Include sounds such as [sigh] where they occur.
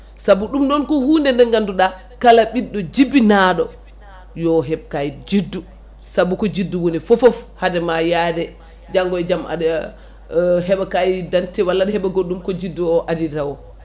saabu ɗum ɗon ko hunde nde ganduɗa kala ɓiɗɗo jibinaɗo yo heeb kayit juddu saabu ko juddu woni foof haade ma yaade janggo e jaam aɗa [hesitation] heeɓa kayit d' identité walla aɗa heeɓa goɗɗum ko juddu o aadi taw&